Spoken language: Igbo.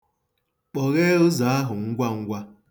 Kpọghee ụzọ ahụ ngwa ngwa.